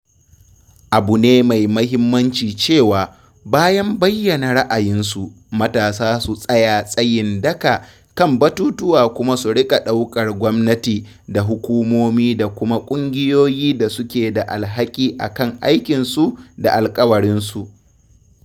Abu ne mai mahimmanci cewa, bayan bayyana ra’ayinsu, matasa su tsaya tsayin daka kan batutuwa kuma su riƙa ɗaukar gwamnati da hukumomi da kuma ƙungiyoyi da su ke da alhaki akan aikinsu da alkawarinsu.